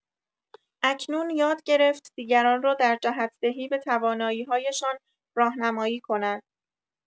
اکنون یاد گرفت دیگران را در جهت‌دهی به توانایی‌هایشان راهنمایی کند.